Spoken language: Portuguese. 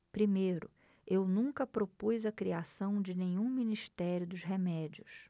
primeiro eu nunca propus a criação de nenhum ministério dos remédios